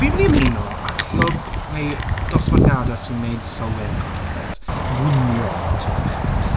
Fi'n mynd i ymuno â clwb, neu dosbarthiadau sy'n wneud sewing classes. Gwnïo, os hoffech chi.